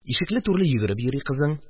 Ишекле-түрле йөгереп йөри кызың